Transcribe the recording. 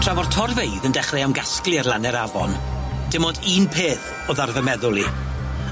Tra fo'r torfeydd yn dechre ymgasglu ar lan yr afon, dim ond un peth o'dd ar fy meddwl i,